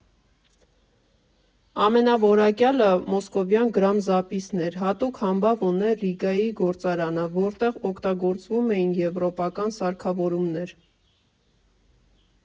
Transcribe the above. Ամենաորակյալը մոսկովյան «Գրամզապիսն» էր, հատուկ համբավ ուներ Ռիգայի գործարանը, որտեղ օգտագործվում էին եվրոպական սարքավորումներ։